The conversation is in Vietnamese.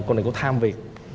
cô này cổ tham việc